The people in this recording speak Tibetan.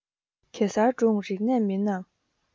གེ སར སྒྲུང རིག གནས མིན ནམ